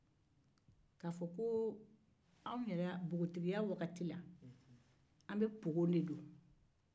npogotigiya waati la an bɛ npogo de don